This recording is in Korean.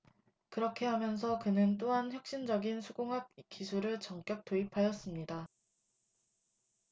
그렇게 하면서 그는 또한 혁신적인 수공학 기술을 전격 도입하였습니다